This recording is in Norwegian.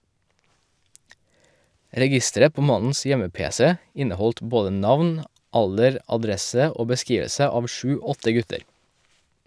Registeret på mannens hjemme-pc inneholdt både navn, alder, adresse og beskrivelse av sju-åtte gutter.